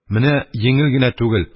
Менә йиңел генә түгел,